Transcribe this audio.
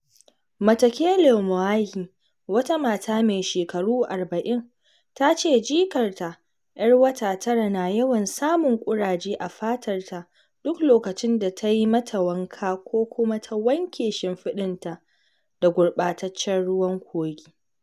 Matokelo Moahi, wata mata mai shekaru 40, ta ce jikarta 'yar wata tara na yawan samun ƙuraje a fatar ta duk lokacin da ta yi mata wanka ko kuma ta wanke shimfiɗinta da gurɓataccen ruwan kogi.